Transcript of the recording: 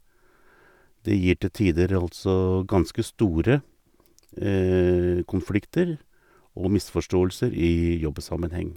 Det gir til tider altså ganske store konflikter og misforståelser i jobbsammenheng.